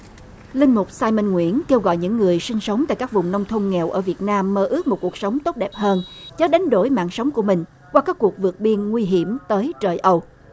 linh mục sai minh nguyễn kêu gọi những người sinh sống tại các vùng nông thôn nghèo ở việt nam mơ ước một cuộc sống tốt đẹp hơn giá đánh đổi mạng sống của mình qua các cuộc vượt biên nguy hiểm tới trời âu